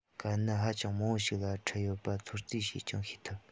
དཀའ གནད ཧ ཅང མང པོ ཞིག ལ འཕྲད ཡོད པ ཚོད རྩིས བྱས ཀྱང ཤེས ཐུབ